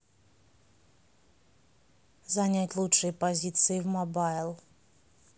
занять лучшие позиции в mobile